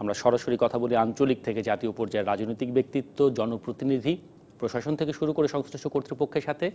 আমরা সরাসরি কথা বলি আঞ্চলিক থেকে জাতীয় পর্যায়ের রাজনৈতিক ব্যক্তিত্ব জনপ্রতিনিধি প্রশাসন থেকে শুরু করে সংশ্লিষ্ট কর্তৃপক্ষের সাথে